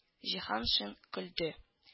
Җиһаншин көлде